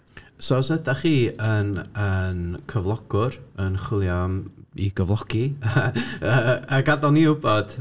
So os ydach chi yn yn cyflogwr yn chwilio am... i gyflogi. yy yy gadael ni wbod...